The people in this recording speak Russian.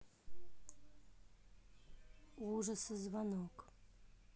ужасы звонок